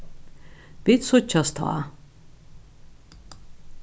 vit síggjast tá